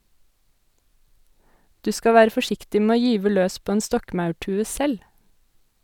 - Du skal være forsiktig med å gyve løs på en stokkmaurtue selv.